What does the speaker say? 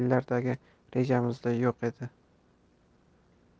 yillardagi rejamizda yo'q edi